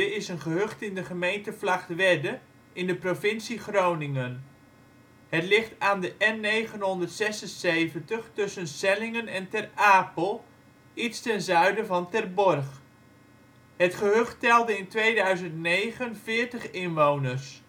is een gehucht in de gemeente Vlagtwedde in de provincie Groningen. Het ligt aan de N976 tussen Sellingen en Ter Apel, iets ten zuiden van Ter Borg. Het gehucht telde in 2009 veertig inwoners